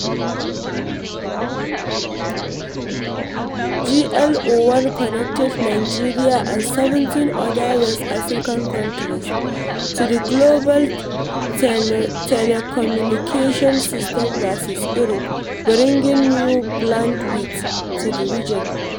GLO-1 connects Nigeria and 13 other West African countries to the global telecommunications system via Europe, bringing new bandwidth to the region.